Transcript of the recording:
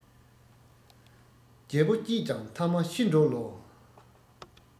རྒྱལ པོ སྐྱིད ཀྱང ཐ མ ཤི འགྲོ ལོ